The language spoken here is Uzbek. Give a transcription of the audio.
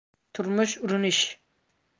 turmush urinish